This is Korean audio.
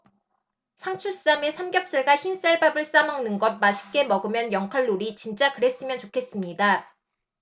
상추쌈에 삼겹살과 흰쌀밥을 싸먹는 것 맛있게 먹으면 영 칼로리 진짜 그랬으면 좋겠습니다